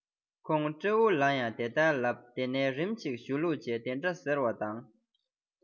ཁོང སྤྲེའུ ལ ཡང དེ ལྟར ལབ དེ ནས རིམ བཞིན ཞུ ལུགས བྱེད དེ འདྲ ཟེར བ དང